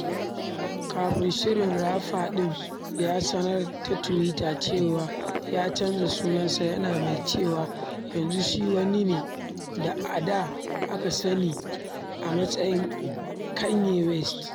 Kafin shirin, rapper ɗin ya sanar ta Twitter cewa ya canza sunansa, yana mai cewa yanzu shi "wani ne da a da aka san ni a matsayin Kanye West."